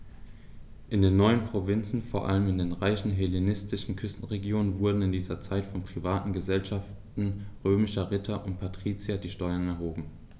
In den neuen Provinzen, vor allem in den reichen hellenistischen Küstenregionen, wurden in dieser Zeit von privaten „Gesellschaften“ römischer Ritter und Patrizier die Steuern erhoben.